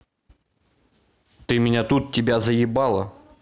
ты меня тут тебя заебало